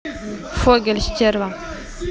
фогель стерва